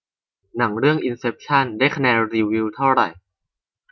หนังเรื่องอินเซปชั่นได้คะแนนรีวิวเท่าไหร่